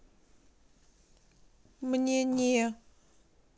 мне не